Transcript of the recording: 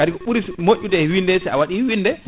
kari ko ɓuuri moƴƴude e winnde sa waɗi winnde